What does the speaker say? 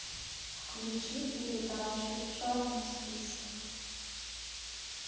включи передачу черный список